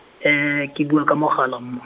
ke bua ka mogala mm-.